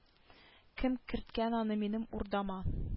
Кем керткән аны минем урдама